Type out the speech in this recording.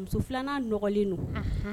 Muso filanan nɔgɔlen don